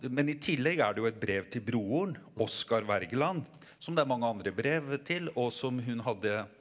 men i tillegg er det jo et brev til broren Oscar Wergeland som det er mange andre brev til og som hun hadde.